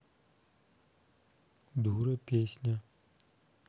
дура песня